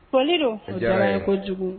Foli don u diyara ye kojugu